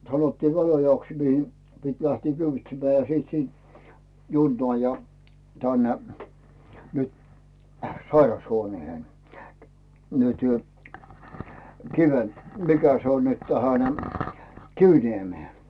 sanottiin Väliojaksi mihin piti lähteä kyyditsemään ja sitten siitä junaan ja tänne nyt sairashuoneeseen nyt - mikä se on nyt tähän Kiviniemeen